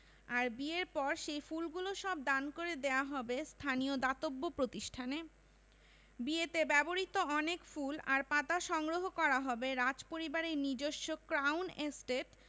আর বিয়ের পর সেই ফুলগুলো সব দান করে দেওয়া হবে স্থানীয় দাতব্য প্রতিষ্ঠানে বিয়েতে ব্যবহৃত অনেক ফুল আর পাতা সংগ্রহ করা হবে রাজপরিবারের নিজস্ব ক্রাউন এস্টেট